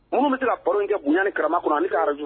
Minnu bɛ se ka ka baro in kɛ bonya ani karama kɔnɔ ani ka radio so